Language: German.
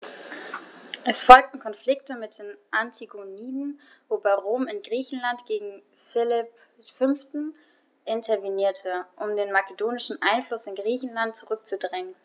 Es folgten Konflikte mit den Antigoniden, wobei Rom in Griechenland gegen Philipp V. intervenierte, um den makedonischen Einfluss in Griechenland zurückzudrängen.